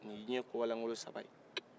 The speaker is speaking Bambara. ni ye diɲɛ kobalankolo saba ye